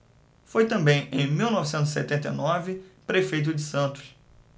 foi também em mil novecentos e setenta e nove prefeito de santos